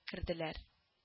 Керделәр